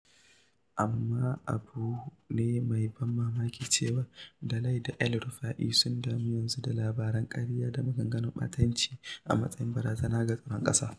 Amma, abu ne mai ban mamaki cewa da Lai da El-Rufa'i sun damu yanzu da labaran ƙarya da maganganun ɓatanci a matsayin barazana ga tsaron ƙasa.